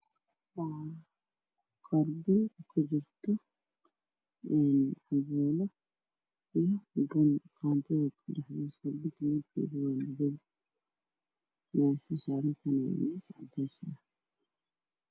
Waa kurbin ay kujirto cambuulo iyo bun iyo qaadadeedi. Kurbintu waa madow meesha ay saaran tahay waa miis cadeys ah.